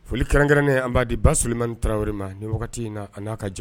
Foli kɛrɛnkɛrɛnnen an b'a di ba solimani tarawele ma ni wagati in na a n'a ka jan